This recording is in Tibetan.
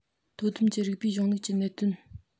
དོ དམ གྱི རིགས པའི གཞུང ལུགས ཀྱི གནད དོན